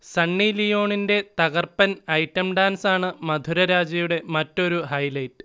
സണ്ണി ലിയോണിന്റെ തകർപ്പൻ ഐറ്റം ഡാൻസാണ് മധുരരാജയുടെ മറ്റൊരു ഹൈലൈറ്റ്